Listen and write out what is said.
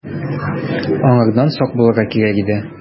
Аңардан сак булырга кирәк иде.